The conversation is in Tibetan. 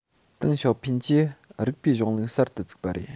ཏེང ཞའོ ཕིན གྱི རིགས པའི གཞུང ལུགས གསར དུ བཙུགས པ རེད